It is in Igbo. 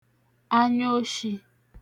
anyoshi